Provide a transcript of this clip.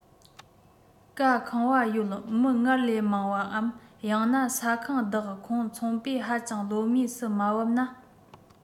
བཀའ ཁང བ ཡོད མི སྔར ལས མང བར པའམ ཡང ན ས ཁང བདག ཁོངས ཚོང པས ཧ ཅང བློ མོས སུ མ བབས ན